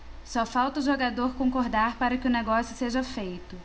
só falta o jogador concordar para que o negócio seja feito